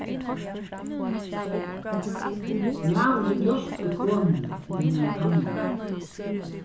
maðurin hjálpir konuni við hennara kanningum